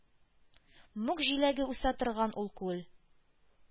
Мүк җиләге үсә торган ул күл